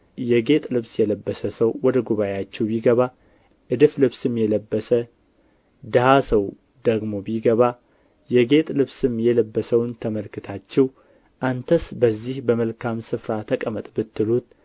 የጌጥ ልብስ የለበሰ ሰው ወደ ጉባኤአችሁ ቢገባ እድፍ ልብስም የለበሰ ድሀ ሰው ደግሞ ቢገባ የጌጥ ልብስም የለበሰውን ተመልክታችሁ አንተስ በዚህ በመልካም ስፍራ ተቀመጥ ብትሉት